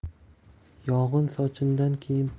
yog'in sochindan keyin